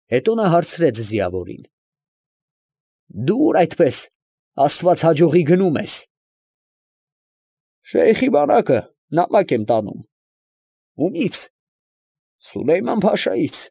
Հետո նա հարցրեց ձիավորին. ֊ Դու ո՞ւր այդպես, աստված հաջողի, գնում ես։ ֊ Շեյխի բանակը, նամակ եմ տանում։ ֊ Ումի՞ց։ ֊ Սուլեյման֊փաշայից։